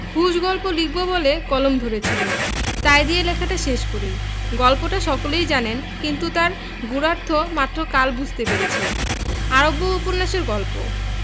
খুশ গল্প লিখব বলে কলম ধরেছিলুম তাই দিয়ে লেখাটা শেষ করি গল্পটা সকলেই জানেন কিন্তু তার গূঢ়ার্থ মাত্র কাল বুঝতে পেরেছি আরব্যোপন্যাসের গল্প